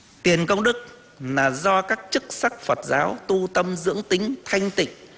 tiền công đức là do các chức sắc phật giáo tu tâm dưỡng tính thanh tịnh